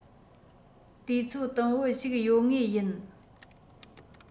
དུས ཚོད དུམ བུ ཞིག ཡོད ངེས ཡིན